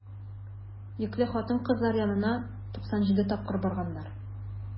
Йөкле хатын-кызлар янына 97 тапкыр барганнар.